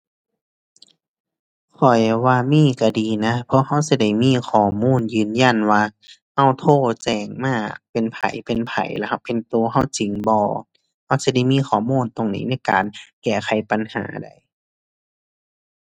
ข้อยว่ามีก็ดีนะ เพราะก็สิได้มีข้อมูลยืนยันว่าก็โทรแจ้งมาเป็นไผเป็นไผ แล้วก็เป็นก็ก็จริงบ่ ก็สิได้มีข้อมูลตรงนี้ในการแก้ไขปัญหาได้